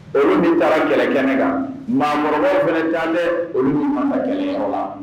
Olu min taara kɛlɛ kɛnɛ kan maakɔrɔbaw fana taalen bɛ olu'u nɔfɛ kɛlɛyɔrɔ la.